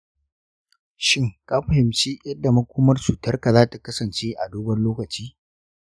shin ka fahimci yadda makomar cutarka za ta kasance a dogon lokaci?